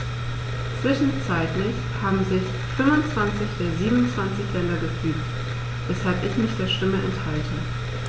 Zwischenzeitlich haben sich 25 der 27 Länder gefügt, weshalb ich mich der Stimme enthalte.